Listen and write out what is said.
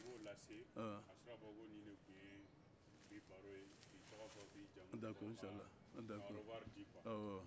i b'o lase kasɔrɔ k'a fɔ ko nin de tun ye bi baro ye k'i tɔgɔ fɔ k'i jamu fɔ a kanbɛ da